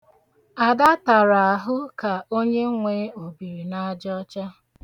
Ada tara ahụ ka onye nwe obirinaajaọcha.